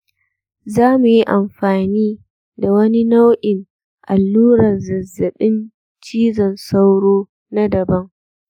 zamu yi amfani da wani nau'in allurar zazzabin cizon sauro na daban.